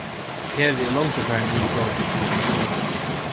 heri er longu farin inn í tokið